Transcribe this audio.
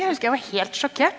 jeg husker jeg var helt sjokkert.